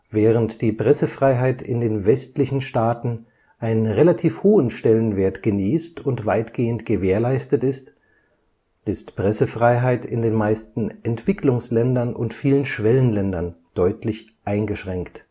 Während die Pressefreiheit in den westlichen Staaten einen relativ hohen Stellenwert genießt und weitgehend gewährleistet ist, ist Pressefreiheit in den meisten Entwicklungsländern und vielen Schwellenländern deutlich eingeschränkt